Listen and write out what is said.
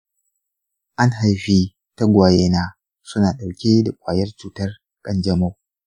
an haifi tagwayena suna ɗauke da kwayar cutar kanjamau.